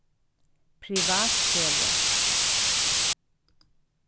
privat feløg